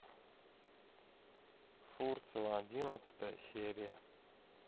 фурцева одиннадцатая серия